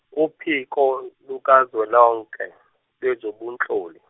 uPhiko lukaZwelonke, lwezoBunhloli.